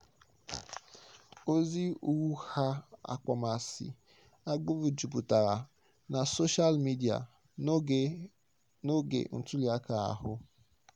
ozi ụgha akpọmasị agbụrụ juputara na soshal midịa n'oge ntuliaka ahụ.